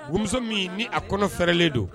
Wa umuso min ni a kɔnɔ fɛrɛlen don